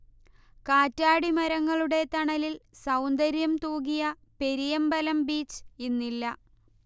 കറ്റാടിമരങ്ങളുടെ തണലിൽ സൗന്ദര്യം തൂകിയ പെരിയമ്പലം ബീച്ച് ഇന്നില്ല